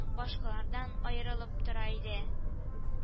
Башкалардан аерылып тора иде